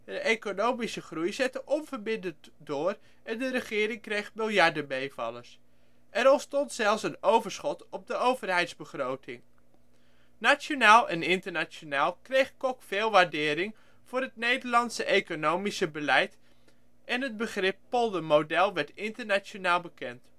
economische groei zette onverminderd door en de regering kreeg miljardenmeevallers. Er ontstond zelfs een overschot op de overheidsbegroting. Nationaal en internationaal kreeg Kok veel waardering voor het Nederlandse economische beleid en het begrip " poldermodel " werd internationaal bekend